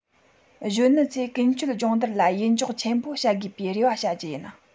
གཞོན ནུ ཚོས ཀུན སྤྱོད སྦྱོང བརྡར ལ ཡིད འཇོག ཆེན པོ བྱ དགོས པའི རེ བ བྱ རྒྱུ ཡིན